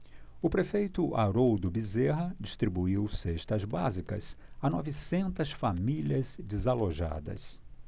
o prefeito haroldo bezerra distribuiu cestas básicas a novecentas famílias desalojadas